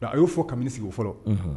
Bari, a y'o fɔ kabini sigi fɔlɔ, unhun.